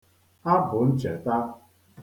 abụnchèta